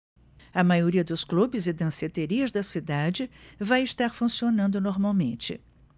a maioria dos clubes e danceterias da cidade vai estar funcionando normalmente